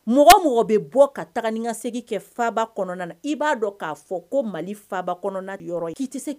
Mɔgɔ mɔgɔ bɛ bɔ ka tagase kɛ fa kɔnɔ i b'a dɔn k'a fɔ ko mali faa kɔnɔ